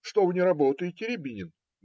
- Что вы не работаете, Рябинин?